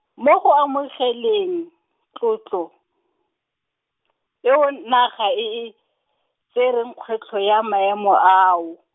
mo go amogeleng, tlotlo, eo naga e e, tsere kgwetlho ya maemo ao.